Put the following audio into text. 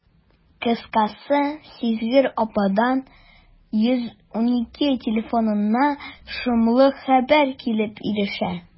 Кыскасы, сизгер ападан «112» телефонына шомлы хәбәр килеп ирешә.